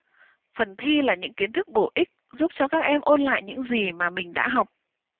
phần thi là những kiến thức bổ ích giúp cho các em ôn lại những gì mà mình đã học